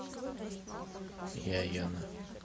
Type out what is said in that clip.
я яна